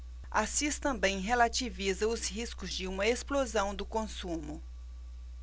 assis também relativiza os riscos de uma explosão do consumo